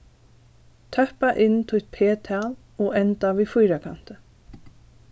tøppa inn títt p-tal og enda við fýrakanti